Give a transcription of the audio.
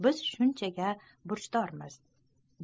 biz shuncha burchdormiz